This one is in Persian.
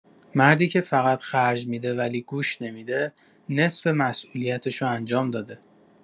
مردی که فقط خرج می‌ده ولی گوش نمی‌ده، نصف مسئولیتشو انجام داده.